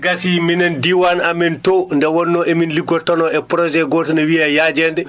ɗe gasii minen diiwaan amen too nde wonnoo emin liggottono e projet gooto no wiyee yaajeende